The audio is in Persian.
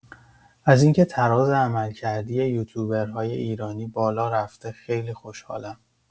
از اینکه تراز عملکردی یوتیوبرهای ایرانی بالا رفته خیلی خوشحالم.